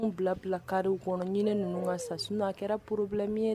Anw bila bila kadiw kɔnɔ ninnu ka sa a kɛra poro bila